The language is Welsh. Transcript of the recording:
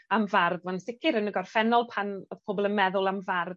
am fardd ma'n sicir yn y gorffennol pan odd pobol yn meddwl am fardd